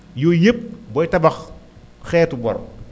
yooyu yëpp booy tabax xeetu bor